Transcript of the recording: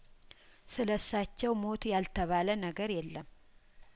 ስለሳቸው ሞት ያልተባለነገር የለም